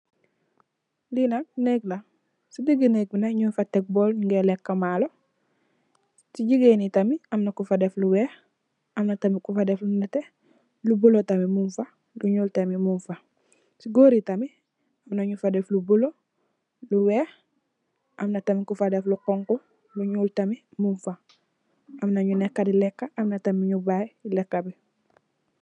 Li nak nèeg la, ci digi nèeg bi nak nung fa tek bool nungè lekka malo. Ci jigéen yi tamit amna ku def lu weeh, amna tamit ku fa def lu nètè, bulo tamit mung fa, lu ñuul tamit mung fa. Ci gòor yi tamit amna nu fa def lu bulo, lu weeh, amna tamit ku fa def lu honku, lu ñuul tamit mung fa. Amna nu nekka Di lekka, amna tamit nu bayè lekka bi.